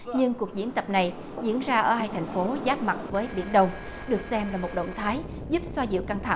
nhưng cuộc diễn tập này diễn ra ở hai thành phố giáp mặt với biển đông được xem là một động thái giúp xoa dịu căng thẳng